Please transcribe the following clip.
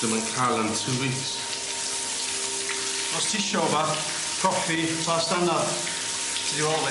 Dwi'm yn ca'l am two weeks. Os tisio wbath, coffi, past dannadd tud i ôl fi.